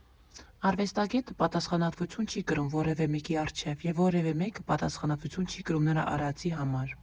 Արվեստագետը պատասխանատվություն չի կրում որևէ մեկի առջև, և որևէ մեկը պատասխանատվություն չի կրում նրա արածի համար։